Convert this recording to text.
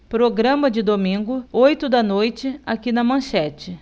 programa de domingo oito da noite aqui na manchete